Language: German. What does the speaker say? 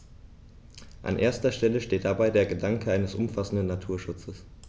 An erster Stelle steht dabei der Gedanke eines umfassenden Naturschutzes.